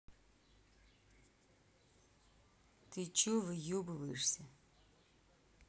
ты че выебываешься